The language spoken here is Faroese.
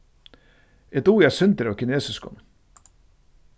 eg dugi eitt sindur av kinesiskum